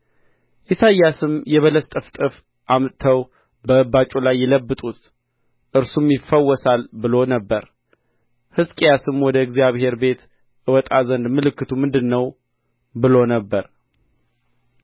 ኢሳይያስም የበለስ ጥፍጥፍ አምጥተው በእባጩ ላይ ይለብጡት እርሱም ይፈወሳል ብሎ ነበር ሕዝቅያስም ወደ እግዚአብሔር ቤት እወጣ ዘንድ ምልክቱ ምንድር ነው ብሎ ነበር